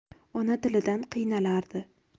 ona tilidan qiynalardi